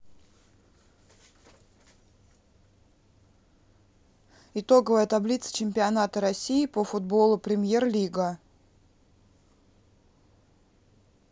итоговая таблица чемпионата россии по футболу премьер лига